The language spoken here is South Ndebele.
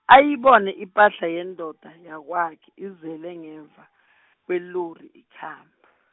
ayibone ipahla yendoda yakwakhe izele ngemva, kweenlori ikhamba.